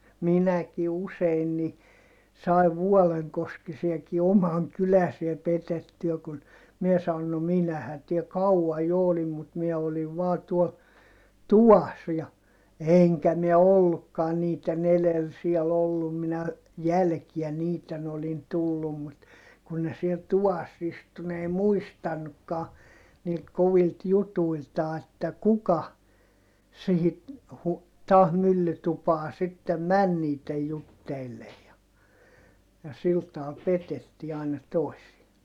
minäkin usein niin sain vuolenkoskisiakin oman kyläisiä petettyä kun minä sanoin no minähän täällä kauan jo olin mutta minä olin vain tuolla tuvassa ja enkä minä ollutkaan niiden edellä siellä ollut minä jälkeen niiden olin tullut mutta kun ne siellä tuvassa istui ne ei muistanutkaan niiltä kovilta jutuiltaan että kuka siihen - taas myllytupaan sitten meni niiden jutteille ja ja sillä tavalla petettiin aina toisia